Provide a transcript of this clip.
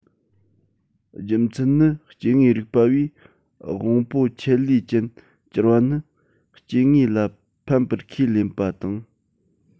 རྒྱུ མཚན ནི སྐྱེ དངོས རིག པ བས དབང པོ ཆེད ལས ཅན གྱུར པ ནི སྐྱེ དངོས ལ ཕན པར ཁས ལེན པ དང